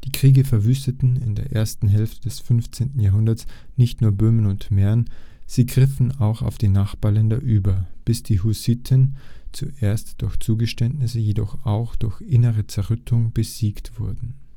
Kriege verwüsteten in der ersten Hälfte des 15. Jahrhunderts nicht nur Böhmen und Mähren, sie griffen auch auf die Nachbarländer über, bis die Hussiten zuerst durch Zugeständnisse, später auch durch innere Zerrüttung besiegt wurden